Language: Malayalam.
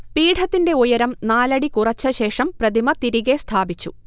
പീഠത്തിന്റെ ഉയരം നാലടി കുറച്ചശേഷം പ്രതിമ തിരികെ സ്ഥാപിച്ചു